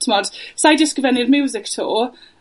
T'mod, sa'i 'di ysgrifennu'r miwsic 'to.